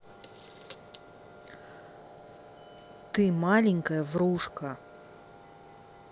ты маленькая врушка